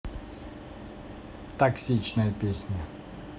токсичная песня